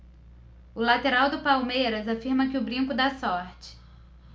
o lateral do palmeiras afirma que o brinco dá sorte